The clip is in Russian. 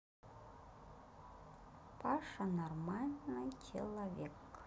паша нормальный человек